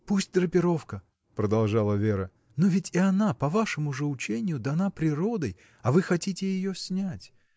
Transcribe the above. — Пусть драпировка, — продолжала Вера, — но ведь и она, по вашему же учению, дана природой, а вы хотите ее снять.